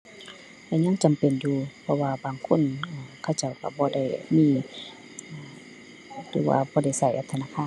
ก็ยังจำเป็นอยู่ เพราะว่าบางคนเขาเจ้าก็บ่ได้มี หรือว่าบ่ได้ก็แอปธนาคาร